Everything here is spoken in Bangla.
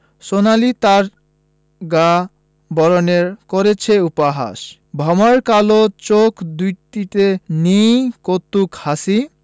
সোনালি তার গা বরণের করছে উপহাস ভমর কালো চোখ দুটিতে নেই কৌতুক হাসি